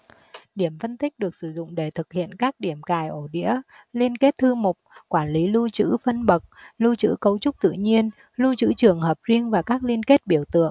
điểm phân tích được sử dụng để thực hiện các điểm cài ổ đĩa liên kết thư mục quản lý lưu trữ phân bậc lưu trữ cấu trúc tự nhiên lưu trữ trường hợp riêng và các liên kết biểu tượng